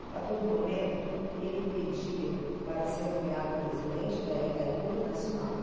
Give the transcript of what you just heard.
a todo momento ele pedia para ser nomeado presidente de itaipu binacional